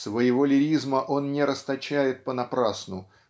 Своего лиризма он не расточает понапрасну